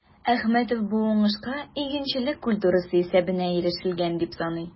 Әхмәтов бу уңышка игенчелек культурасы исәбенә ирешелгән дип саный.